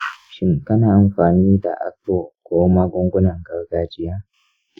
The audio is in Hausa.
shin kana amfani da agbo ko magungunan gargajiya?